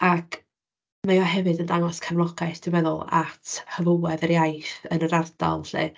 Ac mae o hefyd yn dangos cefnogaeth, dwi'n meddwl, at hyfywedd yr iaith yn yr ardal 'lly.